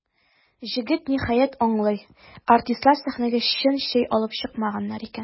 Җегет, ниһаять, аңлый: артистлар сәхнәгә чын чәй алып чыкмаганнар икән.